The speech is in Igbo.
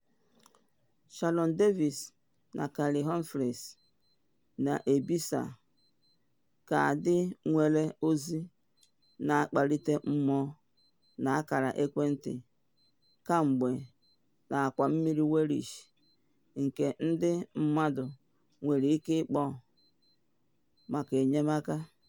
Sharon Davis na Kelly Humphreys na ebisa kaadị nwere ozi na akpalite mmụọ na akara ekwentị kemgbe n’akwa mmiri Welsh nke ndị mmadụ nwere ike ịkpọ maka enyemaka.